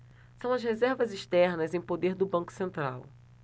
são as reservas externas em poder do banco central